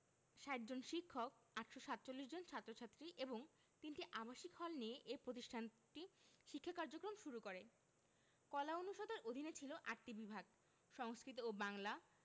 ৬০ জন শিক্ষক ৮৪৭ জন ছাত্র ছাত্রী এবং ৩টি আবাসিক হল নিয়ে এ প্রতিষ্ঠানটি শিক্ষা কার্যক্রম শুরু করে কলা অনুষদের অধীনে ছিল ৮টি বিভাগ সংস্কৃত ও বাংলা